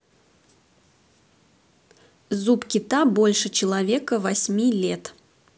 зуб кита больше человека восьми лет